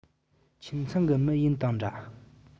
ཁྱིམ ཚང གི མི ཡིན དང འདྲ